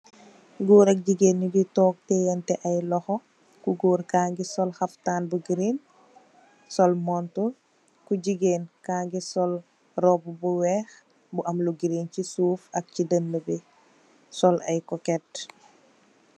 Gór ak jigeen ñu ngi tóóg teyeh yanteh ay loxo. Ku gór ka ngi sol xaptan bu green sol montórr, ku jigeen ka ngi sol róbbu bu wèèx bu am lu green ci suuf ak si Kenna bi.